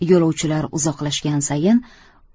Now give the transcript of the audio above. yo'lovchilar uzoqlashgan sayin